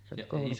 se oli koulun